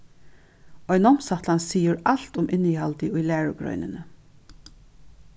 ein námsætlan sigur alt um innihaldið í lærugreinini